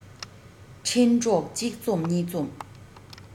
འཕྲིན གྲོགས གཅིག འཛོམས གཉིས འཛོམས